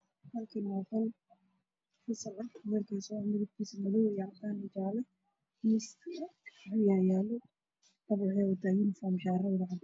Meshan waxaa fadhiya ardo imtaxaan ku jiro waxaa hoos yaalo warqad cadaan ah